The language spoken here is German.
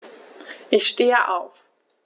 Ich stehe auf.